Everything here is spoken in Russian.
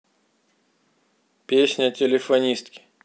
песня телефонистки